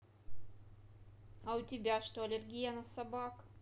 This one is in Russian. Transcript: а у тебя что аллергия на собак